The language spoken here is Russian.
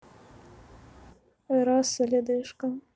rasa ледышка